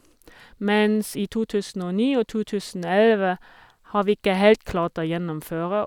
Mens i to tusen og ni og to tusen og elleve har vi ikke helt klart å gjennomføre.